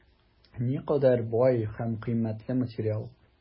Никадәр бай һәм кыйммәтле материал!